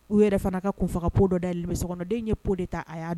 U yɛrɛ fana ka k'u faga ka p dɔ dali so kɔnɔden ye po de ta a'a